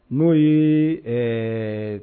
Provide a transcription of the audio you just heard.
N'o ye ɛɛ